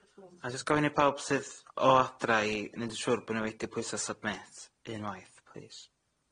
A jys' gofyn i pawb sydd o adra i neud yn siŵr bo' nw wedi pwyso 'Submit' un waith, plis.